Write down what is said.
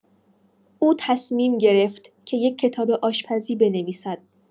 او تصمیم گرفت که یک کتاب آشپزی بنویسد.